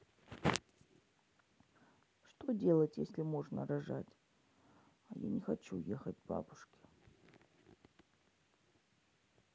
что делать если можно рожать я не хочу ехать к бабушке